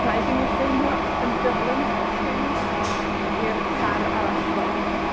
Rhaid i mi ffilmio yn gyflym cyn i'r car arall ddod.